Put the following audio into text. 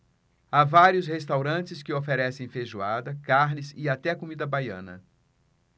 há vários restaurantes que oferecem feijoada carnes e até comida baiana